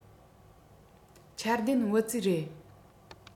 འཆར ལྡན བུ བཙའི རེད